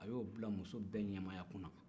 a y'o bila muso bɛɛ ɲɛmaya kun na